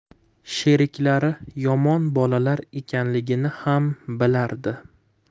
sheriklari yomon bolalar ekanligini xam bilardi